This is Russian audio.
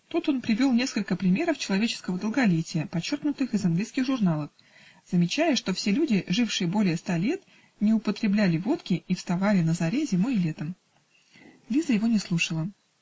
Тут он привел несколько примеров человеческого долголетия, почерпнутых из английских журналов, замечая, что все люди, жившие более ста лет, не употребляли водки и вставали на заре зимой и летом. Лиза его не слушала.